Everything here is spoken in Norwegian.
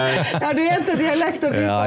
har du en til dialekt å by på?